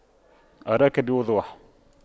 أراك بوضوح